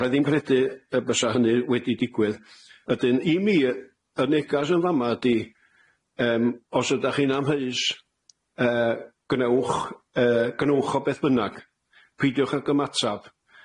Allai ddim credu yy fysa hynny wedi digwydd, ydyn i mi y negas yn fama ydi, yym os ydach chi'n amheus yy gnewch yy gnewch o beth bynnag peidiwch ag ymatab.